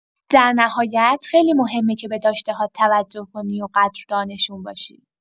در نهایت، خیلی مهمه که به داشته‌هات توجه کنی و قدردانشون باشی.